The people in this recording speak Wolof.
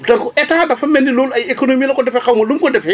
donc état dafa mel ni loolu ay économies la ko defee xaw ma lu mu ko defee